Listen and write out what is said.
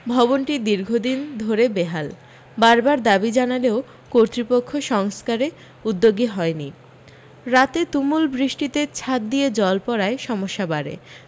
ভবনটি দীর্ঘদিন ধরে বেহাল বারবার দাবি জানালেও কর্তৃপক্ষ সংস্কারে উদ্যোগী হয়নি রাতে তুমুল বৃষ্টিতে ছাদ দিয়ে জল পড়ায় সমস্যা বাড়ে